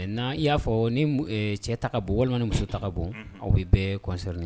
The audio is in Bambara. Mɛ i y'a fɔ ni cɛ ta bon walima muso ta ka bon aw bɛ bɛɛ kɔnsɔnri